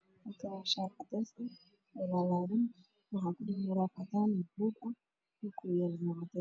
Waa shaati midabkiisu yahay caddaan khasaaran dad cadaan ah